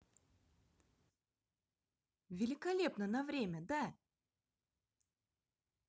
великолепно на время да